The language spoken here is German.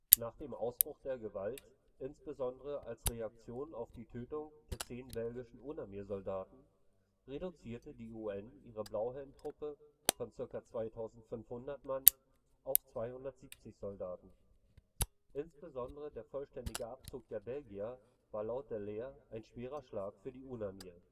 Nach dem Ausbruch der Gewalt, insbesondere als Reaktion auf die Tötung der zehn belgischen UNAMIR-Soldaten, reduzierte die UN ihre Blauhelmtruppe von zirka 2500 Mann auf 270 Soldaten. Insbesondere der vollständige Abzug der Belgier war laut Dallaire ein schwerer Schlag für die UNAMIR